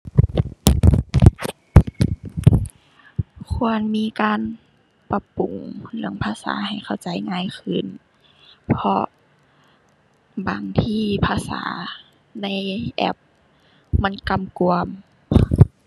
ควรมีการปรับปรุงเรื่องภาษาให้เข้าใจง่ายขึ้น เพราะบางทีภาษาในแอปมันกำกวม